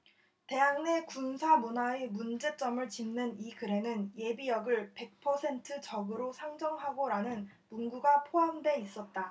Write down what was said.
대학 내 군사 문화의 문제점을 짚는 이 글에는 예비역을 백 퍼센트 적으로 상정하고라는 문구가 포함돼 있었다